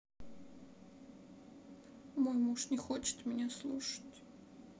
мой муж не хочет меня слушать